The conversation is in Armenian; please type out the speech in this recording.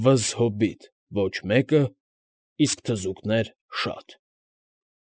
Վզզհոբիտ՝ ոչ մեկը, իսկ թզուկներ՝ շատ։